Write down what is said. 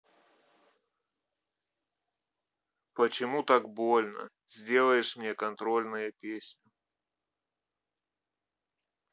почему так больно сделаешь мне контрольные песню